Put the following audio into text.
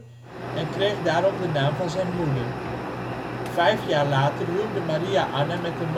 kreeg daarom de naam van zijn moeder. Vijf jaar later huwde Maria Anna met de